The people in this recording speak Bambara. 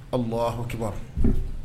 A tuma